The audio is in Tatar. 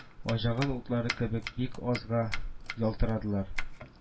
Аҗаган утлары кебек, бик азга ялтырадылар